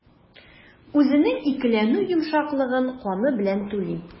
Үзенең икеләнү йомшаклыгын каны белән түли.